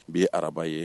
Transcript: Bi ye araba ye